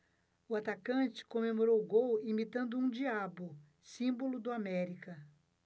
o atacante comemorou o gol imitando um diabo símbolo do américa